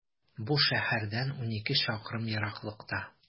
Бу шәһәрдән унике чакрым ераклыкта.